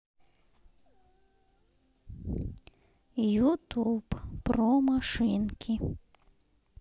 ютуб про машинки